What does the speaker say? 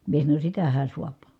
minä sanoin sitähän saa